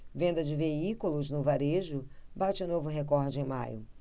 venda de veículos no varejo bate novo recorde em maio